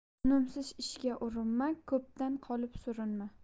unumsiz ishga urinma ko'pdan qolib surinma